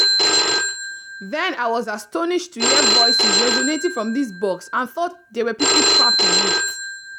Then I was astonished to hear voices resonating from this "box" and thought there were people trapped in it.